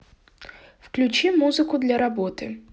включи музыку для работы